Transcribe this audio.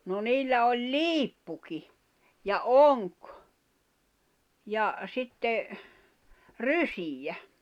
no niillä oli liippukin ja onki ja sitten rysiä